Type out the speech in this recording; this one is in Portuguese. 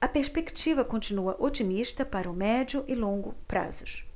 a perspectiva continua otimista para o médio e longo prazos